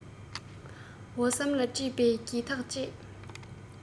འོ ཟོམ ལ དཀྲིས པའི སྒྱིད ཐག བཅས